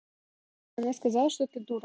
алиса она сказала что ты дура